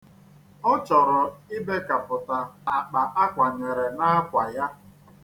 Ọ chọrọ ibekapụta akpa akwanyere n'akwa ya.